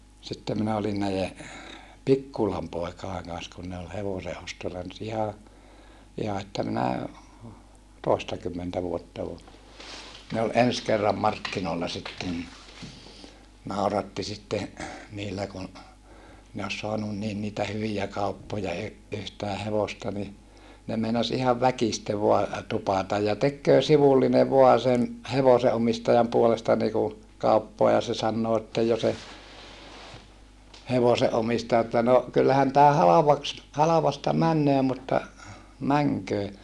sitten minä olin näiden Pikkulan poikien kanssa kun ne oli hevosenostolla nyt ihan ihan että minä toistakymmentä vuotta on ne oli ensi kerran markkinoilla sitten niin nauratti sitten niillä kun ne olisi saanut niin niitä hyviä kauppoja - yhtään hevosta niin ne meinasi ihan väkisin vain tupata ja tekee sivullinen vain sen hevosenomistajan puolesta niin kuin kauppaa ja se sanoo että jo se hevosen omistaja että no kyllähän tämä halvaksi halvasta menee mutta menköön